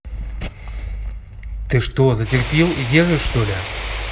ты что за терпил и держишь что ли